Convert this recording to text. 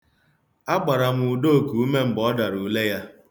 Agbara m Udoka ume mgbe ọ dara ule ya.